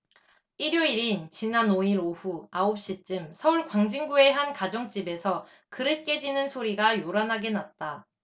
일요일인 지난 오 일 오후 아홉 시쯤 서울 광진구의 한 가정집에서 그릇 깨지는 소리가 요란하게 났다